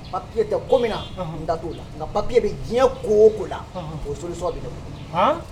Papi tɛ ko minna na ka t' la papie bɛ diɲɛ ko o ko la o so sɔn bɛ